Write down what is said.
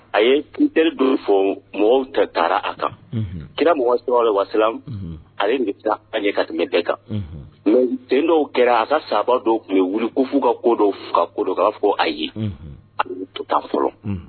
A ye kun teri don fɔ mɔgɔw ta taara a kan kira mɔgɔ sɔrɔ la wasi ale taa an ɲɛ ka tɛmɛ bɛɛ kan den dɔw kɛra a ka sababa dɔw tun bɛ wkufu ka kodɔnw ka kokan fɔ a ye au to taa fɔlɔ